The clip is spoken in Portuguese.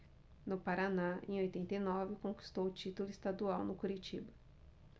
no paraná em oitenta e nove conquistou o título estadual no curitiba